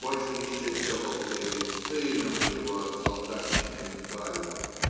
Больше еще сделал ты: сына моего от солдатчины избавил.